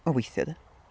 O weithiau de.